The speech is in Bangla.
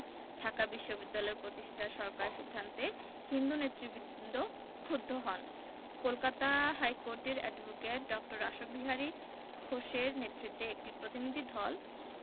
ঢাকা বিশ্ববিদ্যালয় প্রতিষ্টার সরকারি সিদ্ধান্তে হিন্দু নেতৃবৃন্দ ক্ষুব্ধ হন কলকাতা হাইকোর্টের অ্যাডভোকেট ড. রাসবিহারী ঘোষের নেতৃত্বে একটি প্রতিনিধিধল